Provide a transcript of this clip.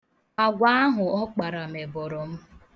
Agwa ahụ ọ kpara mebọrọ m.